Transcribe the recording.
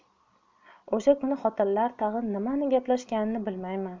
o'sha kuni xotinlar tag'in nimani gaplashganini bilmayman